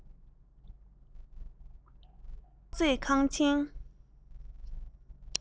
ཐོག བརྩེགས ཁང ཆེན